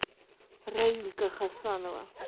раилька хасанова